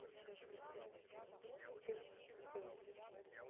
пес пес